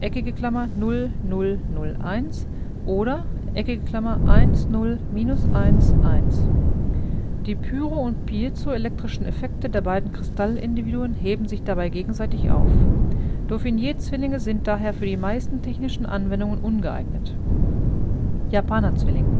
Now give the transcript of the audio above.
0 0 0 1] oder [1 0 -1 1]. Die pyro - und piezoelektrischen Effekte der beiden Kristallindividuen heben sich dabei gegenseitig auf. Dauphinée-Zwillinge sind daher für die meisten technischen Anwendungen ungeeignet. Japaner Zwilling